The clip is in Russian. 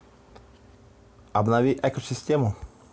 обнови экосистему